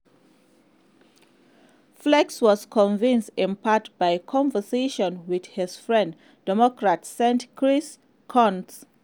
Flake was convinced in part by conversations with his friend, Democratic Sen. Chris Coons.